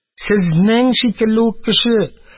Сезнең шикелле үк кеше.